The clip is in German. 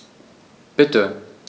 Bitte.